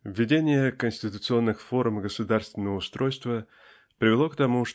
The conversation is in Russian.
Введение конституционных форм государственного устройства привело к тому